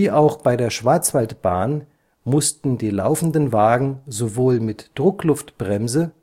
auch bei der Schwarzwaldbahn mussten die laufenden Wagen sowohl mit Druckluftbremse